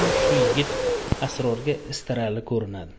shu yigit srorga istarali ko'rinadi